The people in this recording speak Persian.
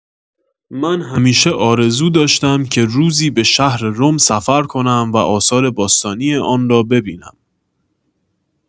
من همیشه آرزو داشتم که روزی به شهر رم سفر کنم و آثار باستانی آن را ببینم.